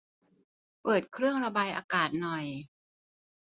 เปิดเครื่องระบายอากาศหน่อย